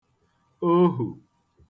ohù